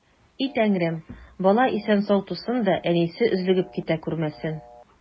И Тәңрем, бала исән-сау тусын да, әнисе өзлегеп китә күрмәсен!